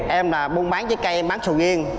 em là buôn bán trái cây em bán sầu riêng